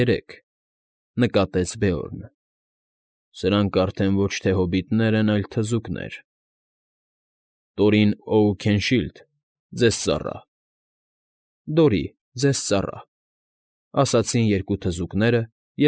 Երեք,֊ նկատեց Բերոնը։֊ Սրանք արդեն ոչ թե հոբիտներ են, այլ թզուկներ… ֊ Տորին Օուքենշիլդ, ձեր ծառա… Դորի, ձեզ ծառա…֊ ասացին երկու թզուկները և։